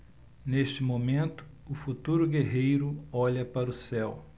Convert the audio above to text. neste momento o futuro guerreiro olha para o céu